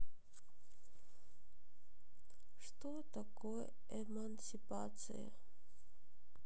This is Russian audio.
что такое эмансипация